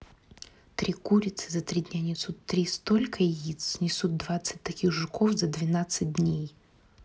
три курицы за три дня несут три сколько яиц снесут двенадцать таких жуков за двенадцать дней